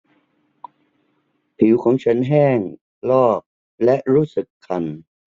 ผิวของฉันแห้งลอกและรู้สึกคัน